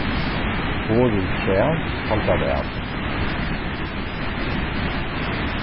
borð úr træ halda væl